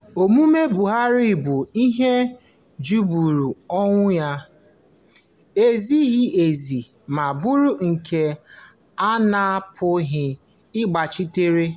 Omume Buhari bụ ihe jọgburu onwe ya, ezighị ezi ma bụrụ nke a na-apụghị ịgbachitere.